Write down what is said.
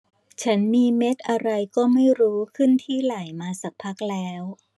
ฉันมีเม็ดอะไรก็ไม่รู้ขึ้นที่ไหล่มาสักพักแล้ว